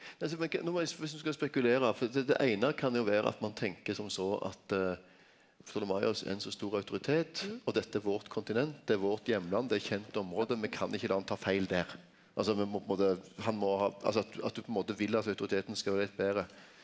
viss du skal spekulera for det det eine kan jo vere at ein tenker som så at Ptolemaios er ein så stor autoritet, og dette er vårt kontinent, det er vårt heimland, det er kjent område, me kan ikkje la han ta feil der, altså me må på ein måte han må ha altså at du at du på ein måte vil at autoriteten skal vere litt betre.